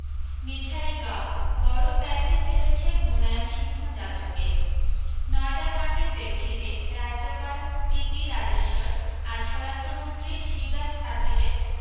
নিঠারী গাঁও বড় প্যাঁচে ফেলেছে মুলায়ম সিংহ যাদবকে নয়ডা কাণ্ডের প্রেক্ষিতে রাজ্যপাল টি ভি রাজেশ্বর আজ স্বরাষ্ট্রমন্ত্রী শিবরাজ পাটিলের